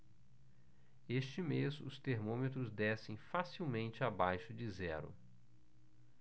este mês os termômetros descem facilmente abaixo de zero